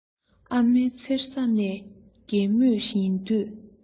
ཨ མའི མཚེར ས ནས རྒས མུས ཡིན དུས